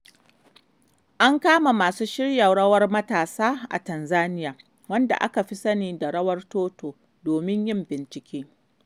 An kama masu shirya rawar matasa a Tanzania wanda aka fi sani da 'rawar Toto' domin yin bincike.